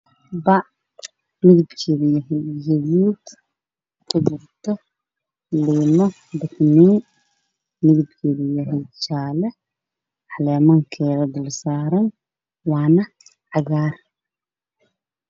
Meeshaan waxaa ka muuqato bac midabkeeda yahay gaduud